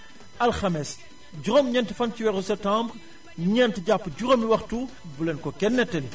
alxames juróom ñent i fan ci weeru septembre ñent jàpp juróom i waxtu bu leen ko kenn nettali